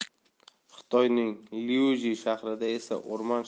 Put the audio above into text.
xitoyning liuju shahrida esa o'rmon